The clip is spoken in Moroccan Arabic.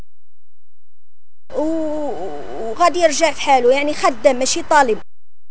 وقد يرجع حلو يعني خدامه الشيطان